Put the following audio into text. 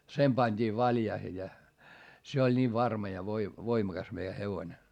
sen pantiin valjaisiin ja se oli niin varma ja - voimakas meidän hevonen